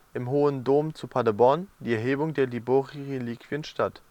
im Hohen Dom zu Paderborn die Erhebung der Liborireliquien statt